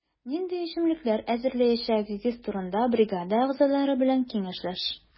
Нинди эчемлекләр әзерләячәгегез турында бригада әгъзалары белән киңәшләш.